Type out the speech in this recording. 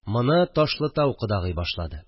Моны Ташлытау кодагый башлады